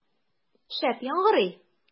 Шәп яңгырый!